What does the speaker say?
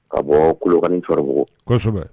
Ka bɔ kukanin sɔrɔbugu